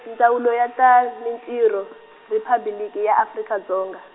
Ndzawulo ya ta Mintirho , Riphabliki ya Afrika Dzonga.